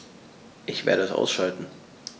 Ich werde es ausschalten